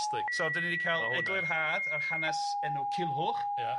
So 'dan ni 'di ca'l eglurhad ar hanes enw Culhwch. Ia.